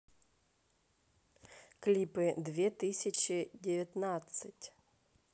клипы две тысячи девятнадцать